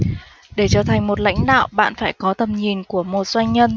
để trở thành một lãnh đạo bạn phải có tầm nhìn của một doanh nhân